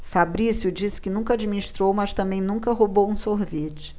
fabrício disse que nunca administrou mas também nunca roubou um sorvete